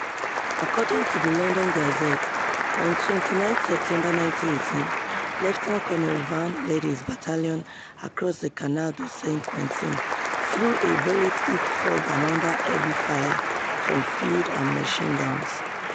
According to the London Gazette, on 29 September 1918 Lt Col Vann led his battalion across the Canal de Saint-Quentin "through a very thick fog and under heavy fire from field and machine guns."